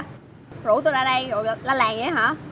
rủ tui ra đây rồi la làng dậy đó hả